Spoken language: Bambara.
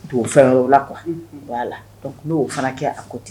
Don fɛn o la qu kuwa u b' la dɔnku n'o fana kɛ a ko ten